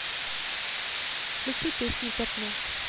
включи песню пятно